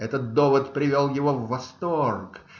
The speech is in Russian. Этот довод привел его в восторг.